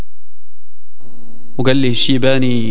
وقال لي الشيباني